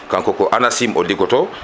kanko ko ANACIM o liggoto